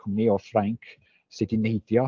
Cwmni o Ffrainc sy 'di neidio.